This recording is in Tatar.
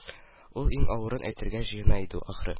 Ул иң авырын әйтергә җыена иде, ахры